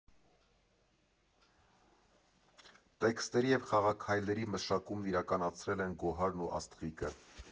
Տեքստերի և խաղաքայլերի մշակումն իրականացրել են Գոհարն ու Աստղիկը։